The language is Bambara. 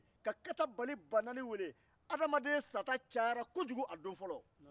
ka katabali ba naani wuli adamaden sata cayara kojugu a don fɔlɔ